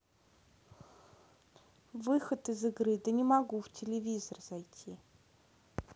выход из игры да не могу в телевизор зайти